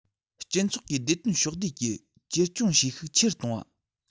སྤྱི ཚོགས ཀྱི བདེ དོན ཕྱོགས བསྡུས ཀྱིས བཅོས སྐྱོང བྱེད ཤུགས ཆེ རུ གཏོང བ